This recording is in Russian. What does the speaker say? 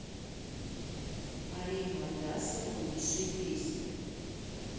мария мордасова лучшие песни